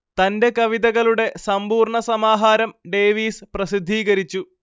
തന്റെ കവിതകളുടെ സമ്പൂർണ സമാഹാരം ഡേവീസ് പ്രസിദ്ധീകരിച്ചു